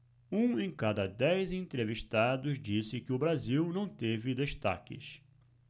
um em cada dez entrevistados disse que o brasil não teve destaques